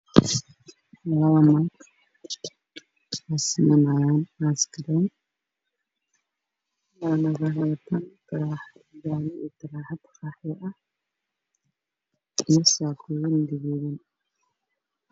Labo naagood sameynaayo ice cream